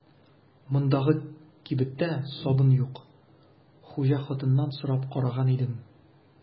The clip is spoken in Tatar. Мондагы кибеттә сабын юк, хуҗа хатыннан сорап караган идем.